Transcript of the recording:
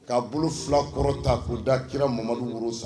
Ka bolo 2 kɔrɔta k'o da kira Mamadu woro